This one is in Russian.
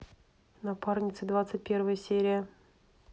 напарницы двадцать первая серия